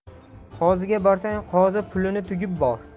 qoziga borsang qozi pulini tugib bor